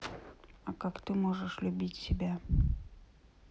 а как ты можешь любить себя